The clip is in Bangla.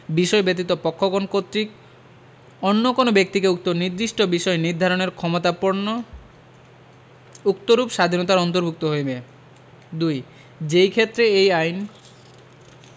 বিষয় ব্যতীত পক্ষগণ কর্তৃক অন্য কোন ব্যক্তিকে উক্ত নির্দিষ্ট বিষয় নিধারণের ক্ষমতাপর্ণও উক্তরূপ স্বাধীনতার অন্তর্ভুক্ত হইবে ২ যেইক্ষেত্রে এই আইন